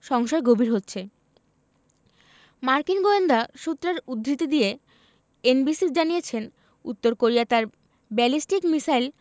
সংশয় গভীর হচ্ছে মার্কিন গোয়েন্দা সূত্রের উদ্ধৃতি দিয়ে এনবিসি জানিয়েছে উত্তর কোরিয়া তার ব্যালিস্টিক মিসাইল